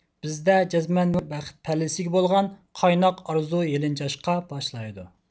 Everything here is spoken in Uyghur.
بىزدە جەزمەن يېڭى بىر بەخت پەللىسىگە بولغان قايناق ئارزۇ يېلىنجاشقا باشلايدۇ